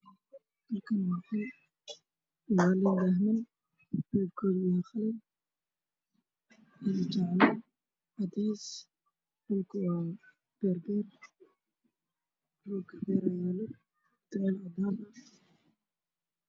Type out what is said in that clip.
Meeshan waa qol darbi waxaa ku xiran daah waxaa ii muuqda finjeer caddaan oo furan